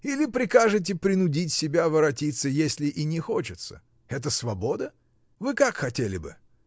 Или прикажете принудить себя воротиться, если и не хочется? Это свобода? Вы как хотели бы?